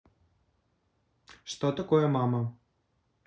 что такое мама